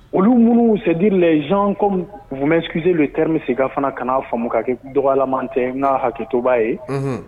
Olu minnu c'est a dire les gens vous m'excuser les termes Sega ka fana kana'a faamu ka kɛ dɔgɔyaliman tɛ n ka hakɛto b'a ye., onhun.